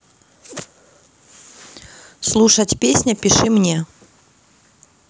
слушать песня пиши мне